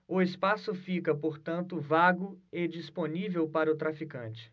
o espaço fica portanto vago e disponível para o traficante